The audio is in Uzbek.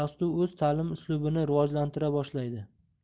o'z ta'lim uslubini rivojlantira boshlaydi